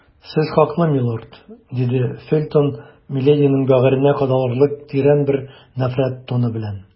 Сез хаклы, милорд, - диде Фельтон милединың бәгыренә кадалырлык тирән бер нәфрәт тоны белән.